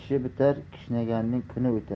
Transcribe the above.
kishnaganning kuni o'tar